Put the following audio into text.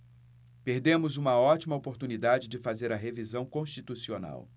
perdemos uma ótima oportunidade de fazer a revisão constitucional